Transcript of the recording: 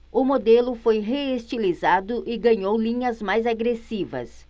o modelo foi reestilizado e ganhou linhas mais agressivas